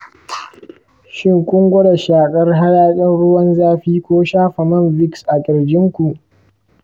shin kun gwada shakar hayakin ruwan zafi ko shafa man vicks a ƙirjinku?